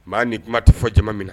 M' ni kuma tɛ fɔ jama min na